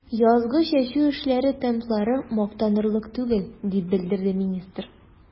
Язгы чәчү эшләре темплары мактанырлык түгел, дип белдерде министр.